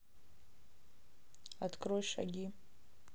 открой шаги